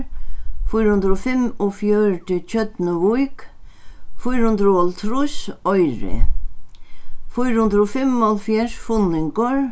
fýra hundrað og fimmogfjøruti tjørnuvík fýra hundrað og hálvtrýss oyri fýra hundrað og fimmoghálvfjerðs funningur